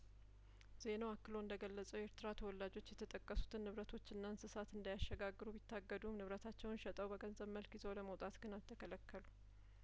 ዜናው አክሎ እንደገለጸው የኤርትራ ተወላጆች የተጠቀሱትን ንብረቶችና እንስሳት እንዳያሸጋግሩ ቢታገዱም ንብረታቸውን ሸጠው በገንዘብ መልክ ይዘው ለመውጣት ግን አልተከለከሉም